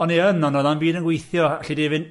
O'n i yn, ond oedd o'm byd yn gweithio, alli di fynd…